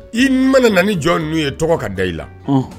I ma ne nana ni jɔn n'u ye tɔgɔ ka da i la